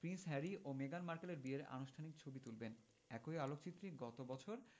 Prince Harry ও মেগান মার্কেলের বিয়ের আনুষ্ঠানিক ছবি তুলবেন একই আলোকচিত্রী গত বছর